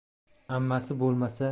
ammasi bo'lmasa